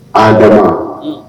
Adama